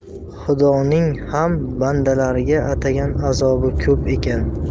xudoning ham bandalariga atagan azobi ko'p ekan